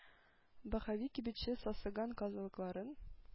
Баһави кибетче сасыган казылыкларын